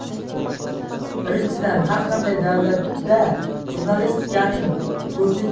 birinchidan har qanday davlatda jurnalistikaning to'rtinchi